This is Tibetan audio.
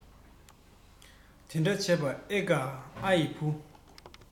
དེ འདྲ བྱས པ ཨེ དགའ ཨ ཡི བུ